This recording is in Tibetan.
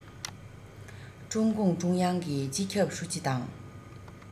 ཀྲུང གུང ཀྲུང དབྱང གི སྤྱི ཁྱབ ཧྲུའུ ཅི དང